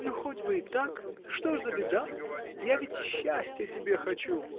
— Ну, хоть бы и так: что же за беда — я ведь счастья тебе хочу!